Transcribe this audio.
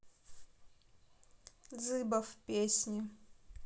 дзыбов песни